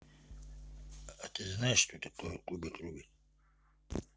а ты знаешь что это такое кубик рубик